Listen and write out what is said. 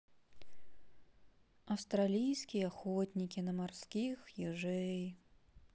австралийские охотники на морских ежей